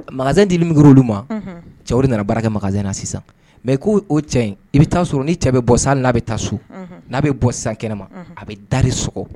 Magasin dili min ker'u olu ma unhun cɛ o de nana baara kɛ magasin na sisan mais k'o o cɛ in i be taa sɔrɔ ni cɛ bɛ bɔ san hali n'a bɛ taa so unhun n'a bɛ bɔ san kɛnɛma unhun a be da de sɔgɔ